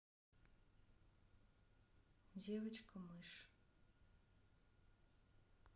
девочка мышь